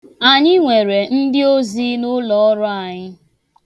Anyị nwere ndịozi n'ụlọọrụ anyị.